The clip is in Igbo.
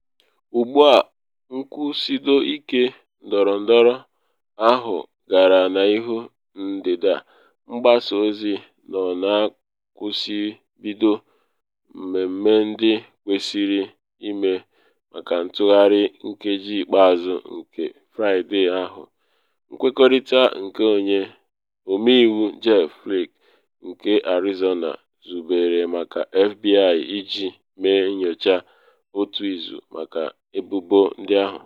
Ugbu a, nkwụsịdo ike ndọrọndọrọ ahụ gara n’ihu, ndị mgbasa ozi nọ na akwụsịbido mmemme ndị kwesịrị ịme maka ntụgharị nkeji ikpeazụ nke Fraịde ahụ: nkwekọrịta nke Onye Ọmeiwu Jeff Flake nke Arizona zubere maka FBI iji mee nnyocha otu-izu maka ebubo ndị ahụ.